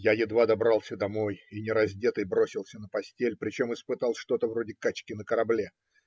Я едва добрался домой и нераздетый бросился на постель, причем испытал что-то вроде качки на корабле